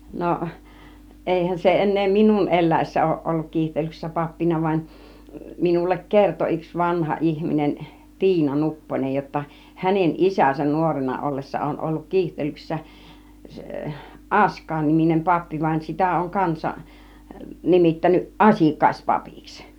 no eihän se enää minun eläessä ole ollut Kiihtelyksessä pappina vaan minulle kertoi yksi vanha ihminen Tiina Nupponen jotta hänen isänsä nuorena ollessa on ollut Kiihtelyksessä Askain niminen pappi vaan sitä on kansa nimittänyt Asikkaispapiksi